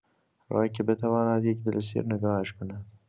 راهی که بتواند یک دل سیر نگاهش کند.